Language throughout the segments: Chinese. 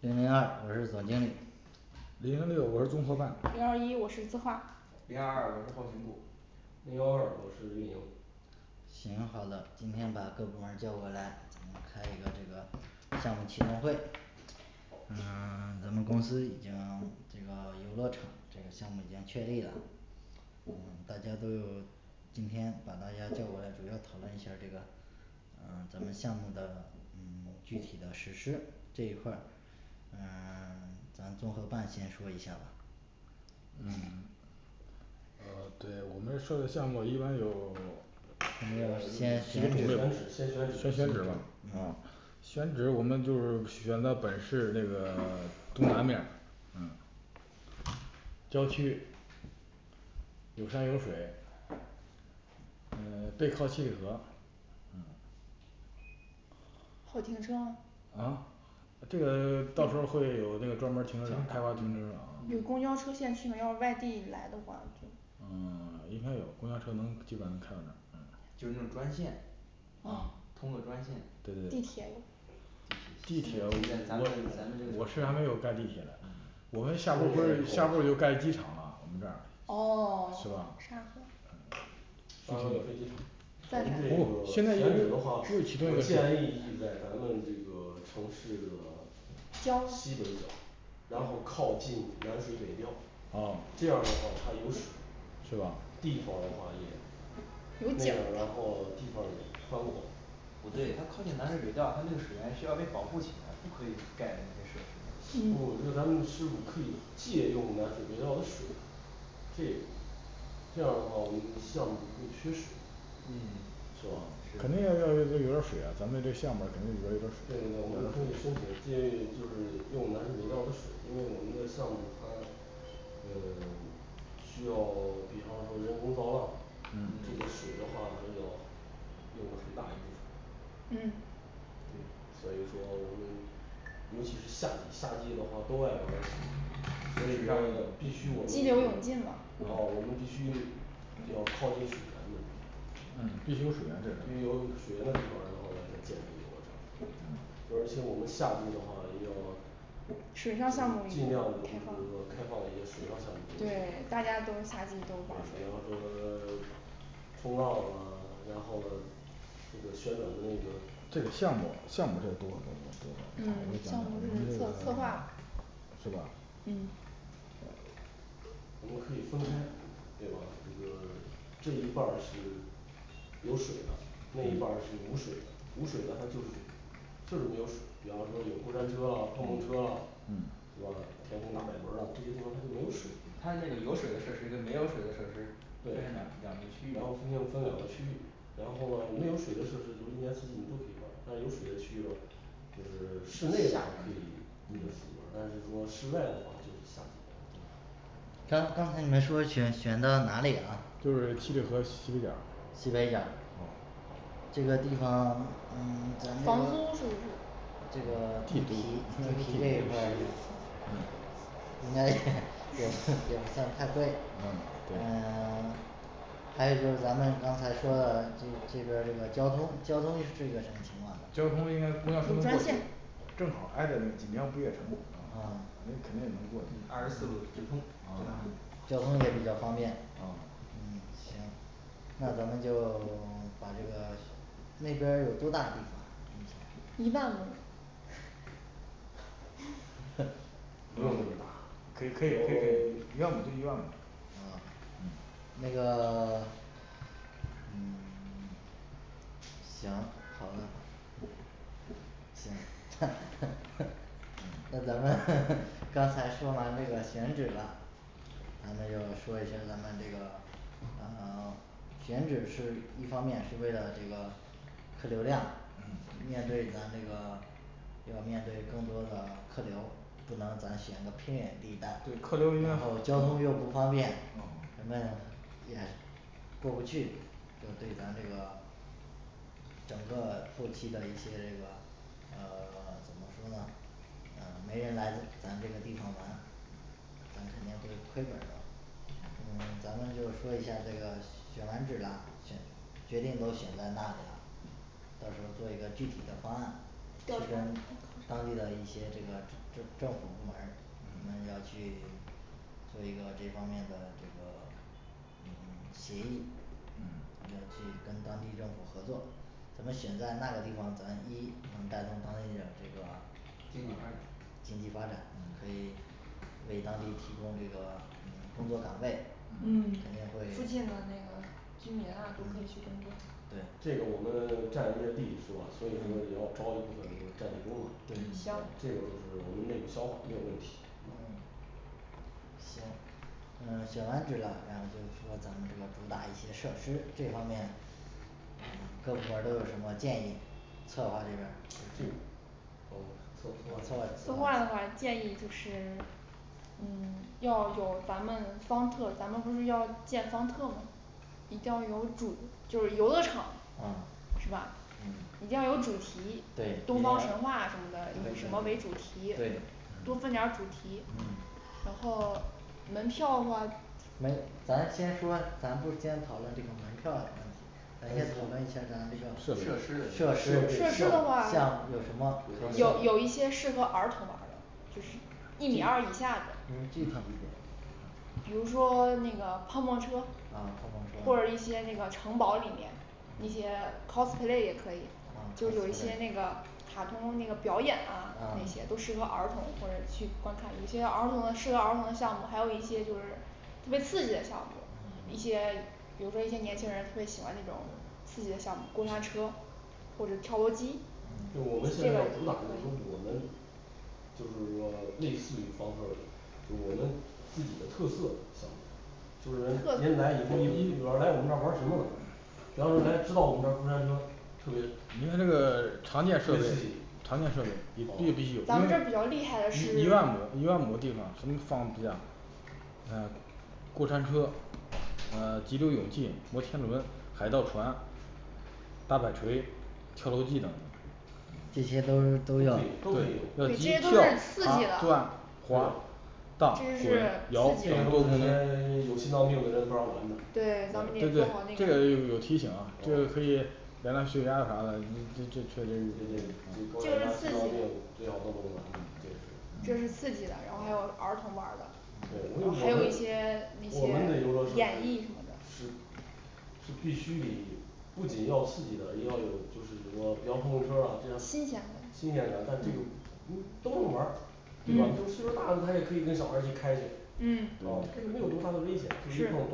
零零二我是总经理零零六我是综合办零二一我是咨划零二二我是后勤部零幺二我是 运营行 好的，今天把各部门儿叫过来，开一个这个 项目启动会嗯 我们公司已经这个 游乐场这个项目已经确立了，嗯大家都有今天把大家叫过来主要讨论一下儿，这个嗯咱们项目的嗯 具体的实施这一块儿，嗯 咱综合办先说一下吧嗯呃 对，我们说的项目一般有 先选选址址吧先选址啊，选址我们就是选到本市那个 东南面嗯郊区有山有水，嗯 背靠七里河好停车吗啊这个 到时候会有那个专门儿停停车车场开场发停车场对嗯公交车线要是外地以来的话就嗯 应该有公交车能基本上开到这儿嗯就是那种专线嗯 通过专线，地铁地铁咱们咱们这个哦 沙河沙河有飞机场，我们这个 选址的话 我建议聚在咱们这个 城市的 西北角，然后靠近南水北调啊，这样的话它有水，是吧？地方的话也有那景边儿然儿后喽地方也宽阔不对，它靠近南水北调，它那个水源需要被保护起来，不可以盖那些设施的那我觉嗯得咱们是否可以借用南水北调的水这这样儿的话我们项儿目不会缺水，是吧？&嗯&肯定要要用里边儿的水啊，咱们这这项目儿肯定不会就&是&对对对，我们可以申请借 就是用南水北调的水，因为我们的项目它 嗯 需要 比方说人工造浪，&嗯&这些水的话还有用了很大一部分嗯所以说 我们尤其是夏季夏季的话都爱玩儿，所以说 必须我激流勇进们嘛哦我们必须要靠近水源的必必须须有有水水源源的地这方是儿然后嘞再建立游乐场而且我们夏季的话也要 对尽量的就是说开放一些水上项目儿比较多对比方说 冲浪啊 然后喽这个宣传的这个这个项目儿项目儿这个嗯 项目这是策策划是吧嗯我们可以分开对吧？这个 这一半儿是有水的，那一半儿是无水的，无水的它就是就是没有水，比方说有过山车啊碰碰车啦&嗯嗯&是吧？天空大摆轮儿啦这些地方它就没有水它那个有水的设施跟没有水的设施，，分对成两两个区，域然后分就分两个区域然后了 没有水的设施就是一年四季你都可以玩儿，但是有水的区域了，就是 室内夏的天可以。你也可以玩儿，但是说室外的话就是夏季再玩刚刚才你们说选选到哪里啦就是 七里河西北角儿西北角儿嗯这个地方 嗯 这黄金地段个 地皮在地地皮这皮一块儿应该也 也不是 也不算太贵。嗯嗯 还有就是咱们刚才说的这这个这个交通交通是一个什么情况呢？有专线嗯二十四路直通直达交通也比较方便那咱们就 把这个 那边儿有多大地方一万亩不用那可么以可以可大以一万哎亩就一万亩 嗯那个 嗯 行好的。那咱们 刚才说完这个选址了 咱们就说一些咱们这个我看看啊选址是一方面是为了这个客流量&嗯&面对咱这个 就对咱这个整个嘞后期的一些这个嗯 怎么说呢嗯没人来咱这个地方玩，你要是亏本儿了嗯 咱们就说一下这个 选完址啦，选决定都选在那里啦，到时候做一个具体的方案就咱当地的一些这个这 政府部门儿，&嗯&你们就要去 做一个这方面的这个 嗯 协议&嗯&要去跟当地政府合作咱们选在那个地方，咱一能带动当地的这个经济发呃展经济发展可以为当地提供这个 工作岗位肯嗯定会 附近的那个居民啊都可以去工作对这个我们 占人家地是吧，所以说也要招一部分就是占地工嘛，嗯啊行这个就是我们内部消化没有问题行。嗯 选完址了，然后就是说咱们这个主打一些设施这方面嗯各部门儿都有什么建议，策划这边儿就呃 策策划策划的话建议就是 嗯 要有咱们方特咱们不是要 建方特吗比较有主就是游乐场嗯是吧？一定要有主题，对东方神话什么的，以什么为主题对，多分点儿主题嗯然后 门票的话诶咱先说咱不先讨论这个门票的事儿咱先讨论一下咱们这个设设施设施备项目项目有什么就是一米二以下的比如说 那个碰碰车啊或碰碰车者一些那个城堡里面，一些 cosplay也可以就有一些那个卡通那个表演啊，那啊些都适合儿童或者去观看有些儿童的适合儿童的项目，还有一些就是特别刺激的项目一些 比如说一些年轻人特别喜欢那种 刺激的项目过山车或者是跳楼机就是我们现那在要边主打儿的就是说我们就是说类似于方特儿，就我们自己的特色项目就是人人来以特后来我们这玩儿什么了主要是来知道我们这儿过山车，特别你看这特个 常别见设备刺激常见设备你必哦须有如咱果们这儿比一较厉害的是 一万亩一万亩的地方真放不下嗯过山车、嗯 急流勇进、摩天轮、海盗船、大摆锤、跳楼机等这些都 都可以都要都可以这些都是刺激的这对 咱们得做个好那这个要个有提醒啊这个可以对高血这个压是刺心激脏病的 最好都不能玩的这个是这是刺激的，然后还有儿童玩儿的对，如果我还有一些 那们我们的游乐设些演艺什么施的是是必须你 不仅要刺激的，也要 就是说比方说碰碰车儿啦这样新新鲜鲜感，感但这嗯你都能玩儿，对吧？就岁数大了，他也可以跟小孩去开去嗯是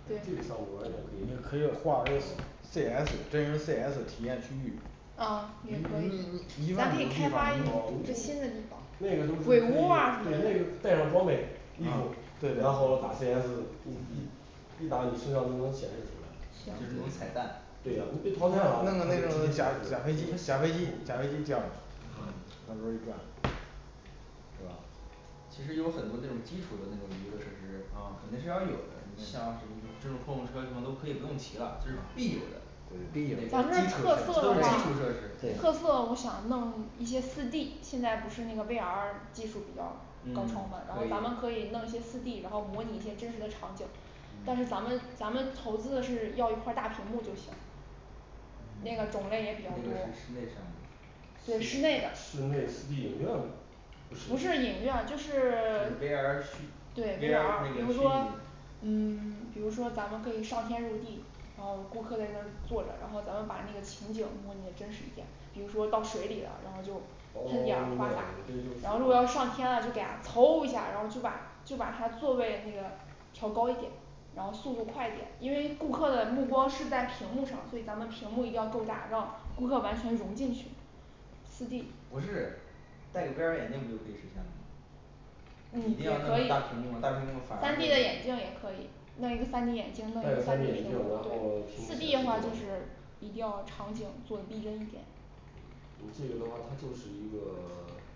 对这个项目儿我完们全可可以以啊划为C S真人C S体验区域啊 也可以咱们得开啊那发一个新新的地方个那个可以，对那个带上装备衣服，然后了打C S，一一一打你身上都能显示出来就是行那种彩弹对啊你被淘汰了，它就直接显示了它显示假如这样的其实也有很多那种基础的那种娱乐设施啊肯定是要有的你像什么这种碰碰车什么都可以不用提啦这是必有的必须得有基础这都设是基施础设施对嗯可以但是咱们咱们投资的是 要一块儿大屏幕就行那个种类也那个比较多是室内项目对室内的室内四D影院不不是是影院就就是是 对 V R虚 V V R，R 比那如个虚说拟 嗯 比如说咱们可以上天入地，然后 顾客在那儿坐着，然后咱们把那个情景模拟的真实一点比如说到水里了，然后就哦 明白了你然后如果要是上这就是天了就给他投 一下，然后就把就把它座位那个调高一点然后速度快一点，因为 顾客的目光是在屏幕上，所以咱们屏幕一定要够大，让顾客完全融进去四D 不是 戴个V R眼镜不就可以实现了吗？一嗯 定也要弄可以个大屏幕嘛大屏幕反而三就 D 的眼会镜也可以弄一个三D眼镜，弄一戴一个个三三D D 眼睛然后 屏对幕四D的话就显示就是一定要场景做逼真一点嗯 你这个的话它就是一个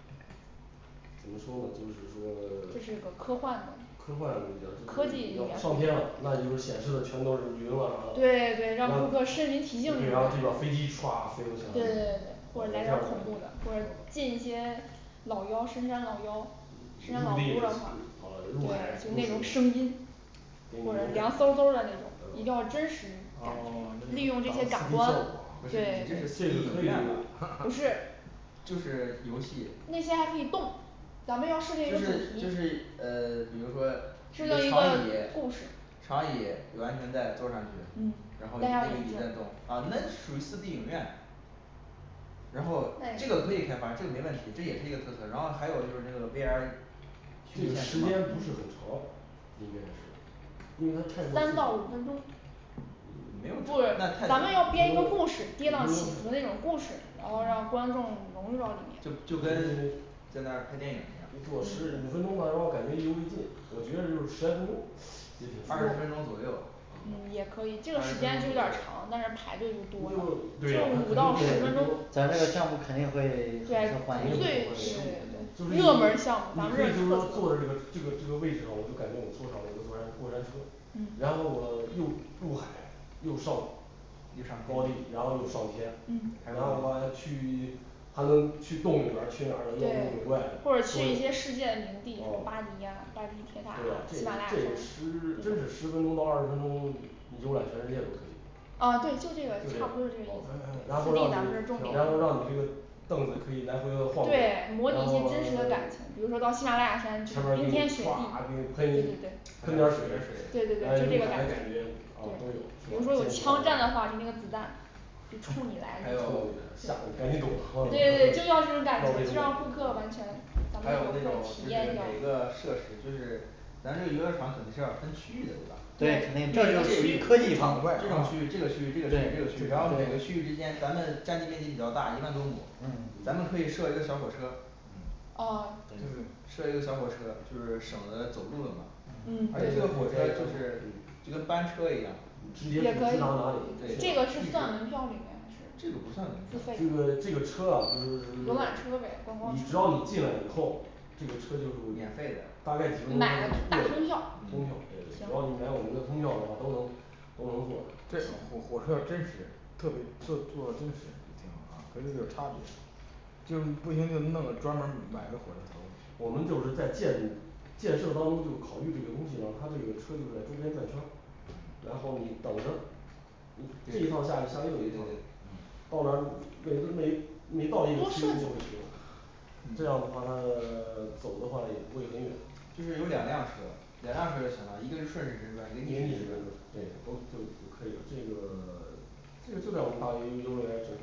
一种感觉嗯 这个或者凉飕飕儿的那种，一定要真实哦打造感利用这戏些剧效感官果不，是对，你这是不可四 D影以院 吧就是是游戏那些还可以动咱们要设定一个就主题是，设就定是嗯 比如说一一个个长椅 故事长椅 有安全带坐上去嗯然后戴那上个眼椅子镜在动啊那就属于四D影院然后这个可以开发这个没问题，这也是一个特色，然后还有就是那个V R 这个时间不是很长应该是。因为他太三到五过刺分激钟了就就跟 在那拍电影儿一样嗯又上高地，然后又上天，然后的话还去 还能去动物园儿嗯对去哪儿的妖魔鬼怪的，哦 或对啊这者去一是这些世界名地巴黎啊 巴黎铁塔啊喜马拉雅也是十 真是山十分钟到二十分钟 游览全世界都可以喷点儿水就冲你来，吓得赶对紧躲对对就要要这这种种感觉就让顾客完全还有还有那种就体是验每个设施就是对嗯设一个小火车就是省得走路了嘛嗯对嗯嗯 直接也是可以这个是直达算哪里门票里面还这这是，个不算门付票费个这个车啊 就浏就览车呗观光是 只车要你进来以后这个车就免费的 大概几分钟就买的大过通通票票，，对嗯对，对，行主要你买我们的通票的话都能都能坐这火火车是真实特别坐坐的真实啊就是有差别的就是不行就弄个专门儿买个火车头我们就是在建建设当中就考虑这个东西呢，他这个车就是在周边转圈儿，然后你 等着你这一趟下去下去又一对对辆对嗯到了每每不是每到一个区域设计就会停这样的话它 走的话也不会很远就是有两辆车两辆车就行了，一个是顺时针一转一个个逆逆时时针针转，转对都都可以这个 这个就在我们大游乐园整个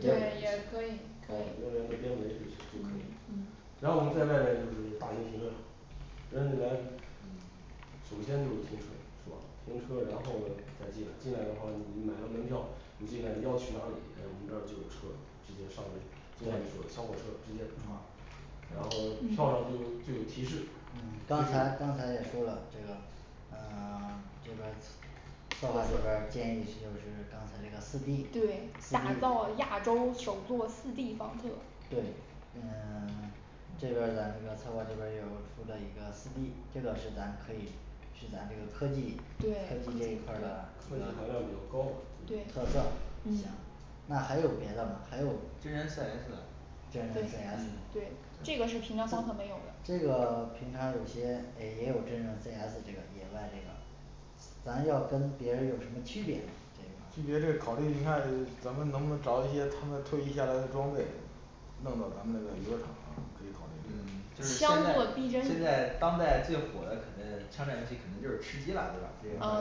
对也可以可以嗯嗯然后我们再外面就是 搭一个停车场人一来首先就是停车是吧停车然后 再进来，进来的话你买了门票你进来你要去哪里，诶我们这儿就有车直接上去。就像你说的小火车直接跑然后 票上就有就有提示，对打造亚洲首座四D方特对嗯 这边儿咱们这个策划这边儿又出了一个四D这个是咱可以是咱这个科技对科 科技这技一块儿的科技含量比较高对特色，嗯行那个还有别的吗？还有真真人人 C C S S 不对对嗯这个是平常方特没有的这个平常有些也有真人C S这个野外这个咱要跟别人有什么区别呢这个就是区别就是考虑你看 咱们能不能找一些他们退役下来的装备弄到咱们这个游乐场箱做逼真一点嗯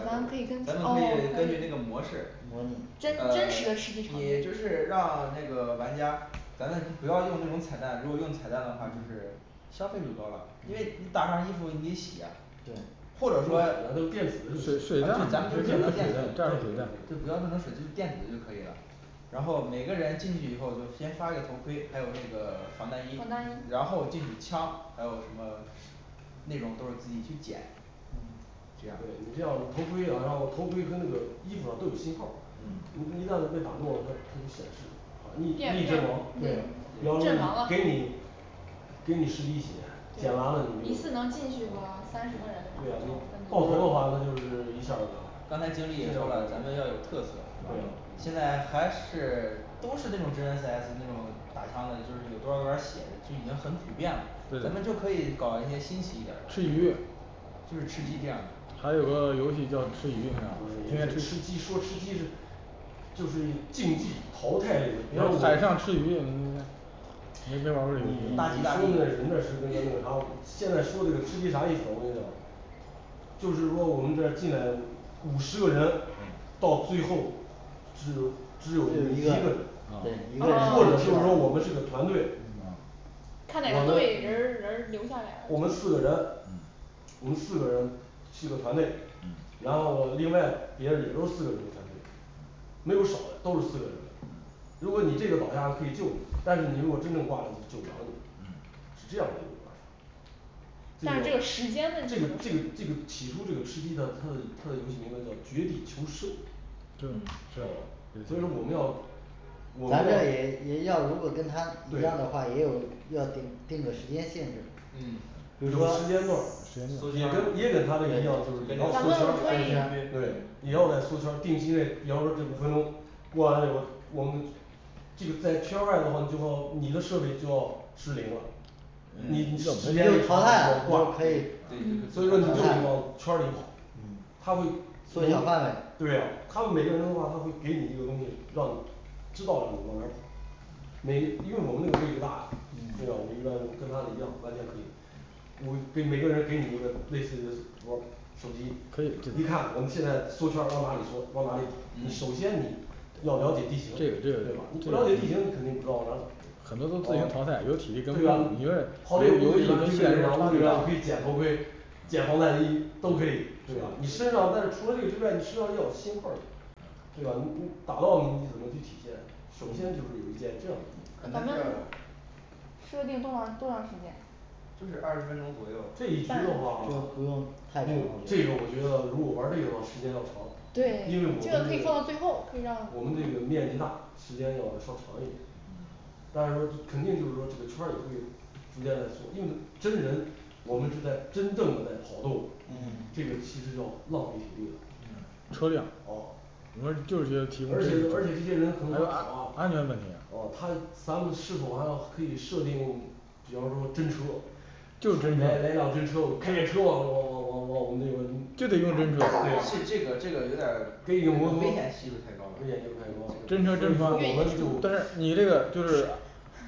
咱们可以跟哦 可以模拟真真实的吃鸡场景消费就高啦，因为 你打上衣服你洗呀对或者说 对咱们那就电电子子，比的就行方说那种水电子的就可以了然后每个人进去以后就先发一个头盔，还有那个 防弹衣防弹衣，然后竞技枪还有什么那种都是自己去捡这对样你这样 头盔，然后头盔和那个衣服上都有信号儿嗯，你一旦被打中了，他他就显示你已你已阵亡，对嗯阵亡啦，给你 给你十滴血，减完了对你一就次对能进去个 三十个人啊你爆头的话那就是一下儿 嗯刚才经理也说了，咱们要有特色是吧？现在 还是 都是那种真人C S那种 打枪的就是有多少多少血的就已经很普遍了咱们就可以搞一些新奇一点儿吃鱼的就是吃鸡这样儿的还有个 游戏叫吃鱼，也都是是吃鸡说吃鸡是就是 竞技淘汰类的，比方说你你 你你这说玩意的儿人你大吉大利家是这个现在说吃鸡啥意思我跟你讲就是如果我们这儿进来五十个人到最后只只有一个对一人个人，嗯或者就是 说我们是个团队我们看哪个队人儿人儿留下来 我了们四个人我们四个人，是个团队然后了另外别人也都四个人一个团队没有少的都是四个人的如果你这个倒下了可以救你，但是你如果真的挂了救不了你了是这样的一个玩儿法这个这个那这个时间问题就这个是这个起初这个吃鸡的，它的它的游戏名字叫绝地求生就嗯是嗯所以说我们要我们 对嗯咱们也可以这个在圈儿外的话之后你的设备就要 失灵了你时要时间一长你要挂淘汰了就，可以你嗯就得往 圈儿里跑他会缩小范围对 他会每个人的话，他会给你一个东西，让你知道了你往哪儿跑每因为我们那个位置大呀，&嗯&对吧？我们一般跟他的一样完全可以嗯给每个人儿给你一个类似的手镯儿手可以可机一以看我们现在缩圈往哪里缩往哪里跑，你首先你 要了解地形这对个这吧你个不了解地形，你肯定不知道往哪走很多都自己淘汰尤啊对其是就给我觉呀得跑这个屋子里面就是屋子里边我可以捡头盔捡回来一都可以 都可以对对吧你啊身上但是除了这个之外，你身上要有信号儿的对吧那那 打到了你你怎么去体现呢首先就是有一件这样的事可情咱能们是设定多长 多长时间就是二十分钟左右这一局的话 不这用不用太嗯 这个我觉得如果玩儿这个的话时间要长对因为我 们这这个可以放到最后可以让 我们这 面积大时间要 稍长一点但是说 肯定就是说这个圈儿也会 逐渐在缩，因为真人我们是在真正的在跑动嗯，这个其实叫浪费体力了哦有的而且人就是觉的而且这些人从这跑啊 安全肯定他咱们是否还要可以设定 比方说真车就来来辆真车我开着车，我我我我们就这得个 这个用摩真车这个这个有点儿托危危险险系系数数太太高高了了，所以说我们